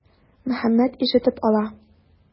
Мөхәммәт ишетеп ала.